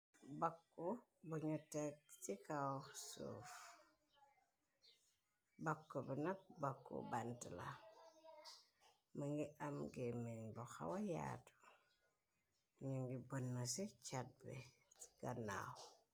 Bakku bunu tegg ci kaw suuf. Bàkku bi nag bakku bant la mëngi am gémen bu xawa yaatu nu ngi bonn ci cat be gannaaw.